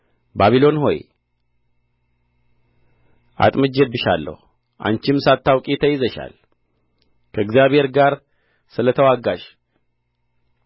ባቢሎን ሆይ አጥምጄብሻለሁ አንቺም ሳታውቂ ተይዘሻል ከእግዚአብሔር ጋር ስለ ተዋጋሽ